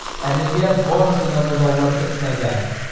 Әлегә барысы да бозаулап бетмәгән.